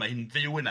Mae hi'n fyw yna.